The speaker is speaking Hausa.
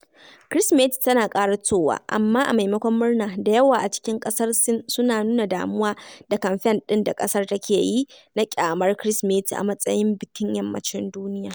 Kirsimeti tana ƙaratowa amma a maimakon murna, da yawa a cikin ƙasar Sin suna nuna damuwa da kamfen ɗin da ƙasar take yi na ƙyamar Kirsimeti a matsayin bikin Yammacin duniya.